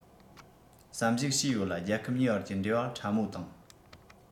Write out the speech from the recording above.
བསམ གཞིགས བྱས ཡོད ལ རྒྱལ ཁབ གཉིས བར གྱི འབྲེལ བ ཕྲ མོ དང